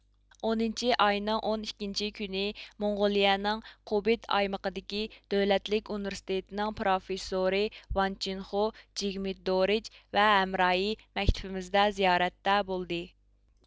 ئونىنچى ئاينىڭ ئون ئىككىنچى كۈنى موڭغولىيىنىڭ قۇبىد ئايمىقىدىكى دۆلەتلىك ئۇنىۋېرسىتېتنىڭ پروففېسسورى ۋانچىنخۇ جىگمېددورج ۋە ھەمراھى مەكتىپىمىزدە زىيارەتتە بولدى